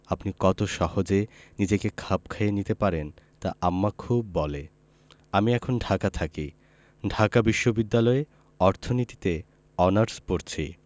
আপনি কত সহজে নিজেকে খাপ খাইয়ে নিতে পারেন তা আম্মা খুব বলে আমি এখন ঢাকা থাকি ঢাকা বিশ্ববিদ্যালয়ে অর্থনীতিতে অনার্স পরছি